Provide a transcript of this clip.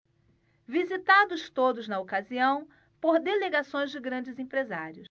visitados todos na ocasião por delegações de grandes empresários